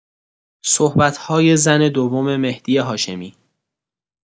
صحبت‌های زن دوم مهدی هاشمی